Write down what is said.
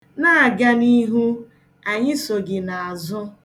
Na-aga n'ihu, anyị so gị n'azụ.